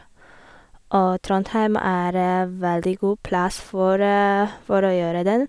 Og Trondheim er veldig god plass for for å gjøre den.